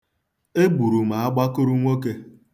Egburu m agbakụrụnwoke.